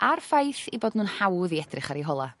a'r ffaith 'u bod nw'n hawdd i edrych ar u hola.